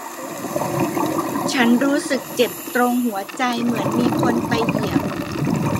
ฉันรู้สึกเจ็บตรงหัวใจเหมือนมีคนไปเหยียบ